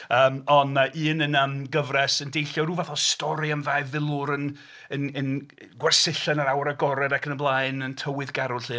Ymm ond mae un yna am gyfres yn deillio rhyw fath o stori am ddau filwr yn... yn... yn gwersylla yn yr awyr agored ac yn y blaen yn tywydd garw 'lly